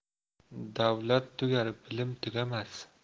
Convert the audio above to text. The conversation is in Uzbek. davlat tugar bilim tugamas